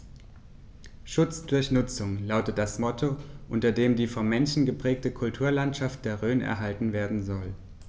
„Schutz durch Nutzung“ lautet das Motto, unter dem die vom Menschen geprägte Kulturlandschaft der Rhön erhalten werden soll.